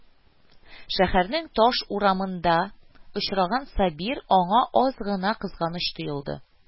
Шәһәрнең таш урамында очраган Сабир аңа аз гына кызганыч тоелды